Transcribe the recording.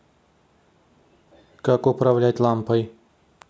как управлять лампой